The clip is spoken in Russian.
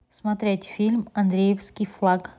посмотреть фильм андреевский флаг